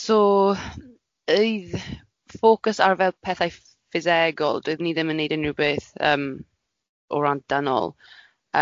So oedd ffocws ar fel pethau ff- ffisegol, doeddwn i ddim yn wneud unrhywbeth yym o ran dynol. Yym